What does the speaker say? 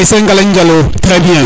Asc Ngalagne Njalo trés bien